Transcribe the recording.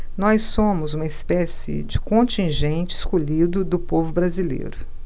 nós somos uma espécie de contingente escolhido do povo brasileiro